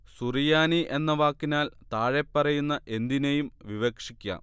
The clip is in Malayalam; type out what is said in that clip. സുറിയാനി എന്ന വാക്കിനാൽ താഴെപ്പറയുന്ന എന്തിനേയും വിവക്ഷിക്കാം